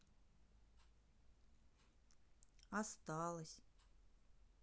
осталось